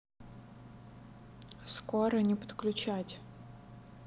скоро не подключать